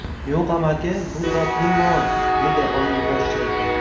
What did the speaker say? yo'q amaki bu zotli mol dedi oyim bosh chayqab